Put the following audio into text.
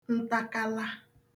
ntakala